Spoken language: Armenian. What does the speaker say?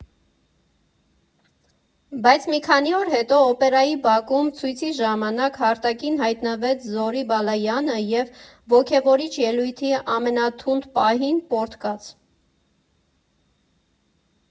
Բայց մի քանի օր հետո Օպերայի բակում ցույցի ժամանակ հարթակին հայտնվեց Զորի Բալայանը և ոգևորիչ ելույթի ամենաթունդ պահին պոռթկաց.